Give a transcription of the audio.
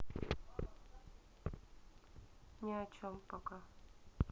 ни о чем пока